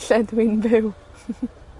lle dw i'n byw.